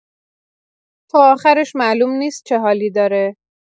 تا آخرش معلوم نیست چه حالی داره.